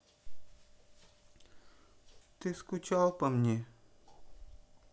ты скучал по мне